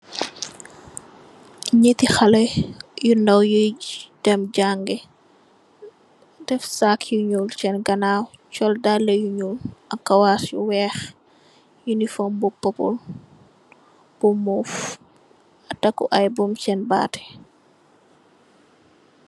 Njehti haleh yu ndaw yui dem jaangue, def sac yu njull sehn ganaw, sol daalue yu njull ak kawass yu wekh, uniform bu purple, bu mauve, takue aiiy buum sehn baat yii.